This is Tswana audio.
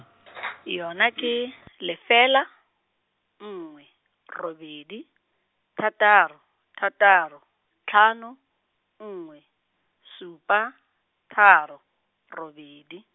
yona ke, lefela, nngwe, robedi, thataro, thataro, tlhano, nngwe, supa, tharo, robedi.